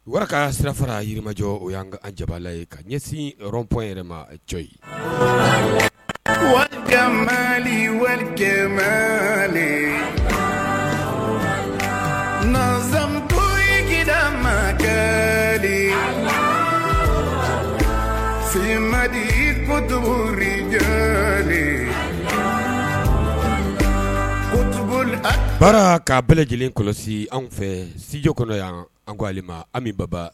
Wara sira fara yirijɔ o y' jabala ye ka ɲɛsin ɔn yɛrɛ ma cogo ye wakɛ nakuma in makɛ la sebalidi kuntob baara k kaa bɛɛ lajɛlen kɔlɔsi anw fɛ studi kɔnɔ yan an ko a an ni baba